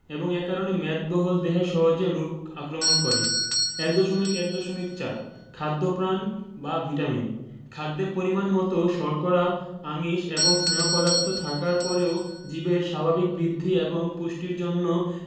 এবং এ কারণে মেদবহুল দেহে সহজে রোগ আক্রমণ করে ১.১.৪ খাদ্যপ্রাণ বা ভিটামিন খাদ্যে পরিমাণমতো শর্করা আমিষ এবং স্নেহ পদার্থ থাকার পরেও জীবের স্বাভাবিক বৃদ্ধি এবং পুষ্টির জন্য